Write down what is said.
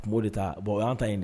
'o de ta bɔn' ta yen de